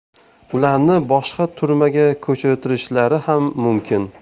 ularni boshqa turmaga ko'chirtirishlari ham mumkin